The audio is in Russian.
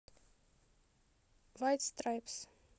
вайт страйпс